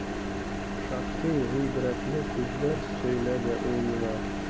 Шактый гыйбрәтле сүзләр сөйләде ул миңа.